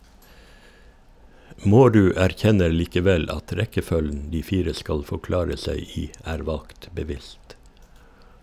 Maurud erkjenner likevel at rekkefølgen de fire skal forklare seg i er valgt bevisst.